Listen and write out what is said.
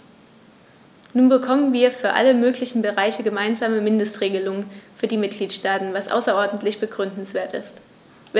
Nun bekommen wir für alle möglichen Bereiche gemeinsame Mindestregelungen für die Mitgliedstaaten, was außerordentlich begrüßenswert ist.